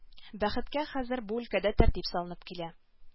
Бәхеткә хәзер бу өлкәдә тәртип салынып килә